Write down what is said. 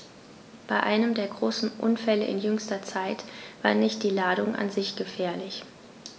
Bei einem der großen Unfälle in jüngster Zeit war nicht die Ladung an sich gefährlich.